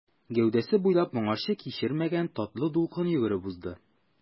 Гәүдәсе буйлап моңарчы кичермәгән татлы дулкын йөгереп узды.